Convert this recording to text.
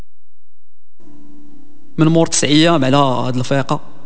من مرت الايام